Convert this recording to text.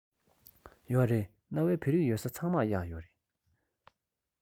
ཡོད རེད གནའ བོའི བོད རིགས ཡོད ས ཚང མར གཡག ཡོད རེད